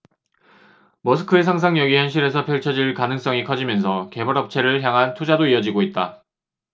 머스크의 상상력이 현실에서 펼쳐질 가능성이 커지면서 개발업체를 향한 투자도 이어지고 있다